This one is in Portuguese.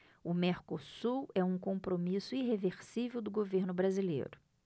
o mercosul é um compromisso irreversível do governo brasileiro